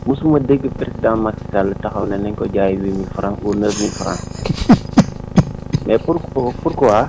mosuma dégg président Macky Sall taxaw ne nañ ko jaayee huit mille franc ou neuf mille franc mais pour pourquoi